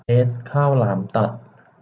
เอซข้าวหลามตัด